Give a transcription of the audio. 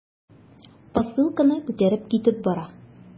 Посылканы күтәреп китеп бара.